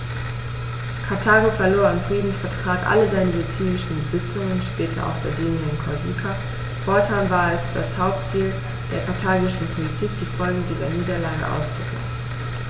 Karthago verlor im Friedensvertrag alle seine sizilischen Besitzungen (später auch Sardinien und Korsika); fortan war es das Hauptziel der karthagischen Politik, die Folgen dieser Niederlage auszugleichen.